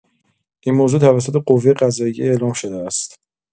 این موضوع توسط قوه‌قضائیه اعلام شده است.